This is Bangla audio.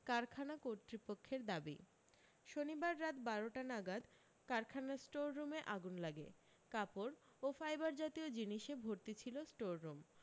কারখানা কর্তৃপক্ষের দাবি শনিবার রাত বারোটা নাগাদ কারখানার স্টোর রুমে আগুন লাগে কাপড় ও ফাইবার জাতীয় জিনিসে ভর্তি ছিল স্টোর রুম